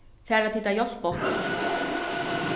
fara tit at hjálpa okkum